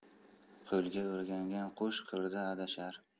qo'lga o'rgangan qush qirda adashar